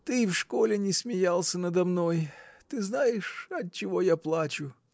ты и в школе не смеялся надо мной. Ты знаешь, отчего я плачу?